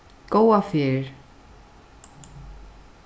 góða ferð